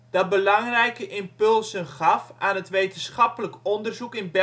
dat belangrijke impulsen gaf aan het wetenschappelijk onderzoek in Belgisch-Kongo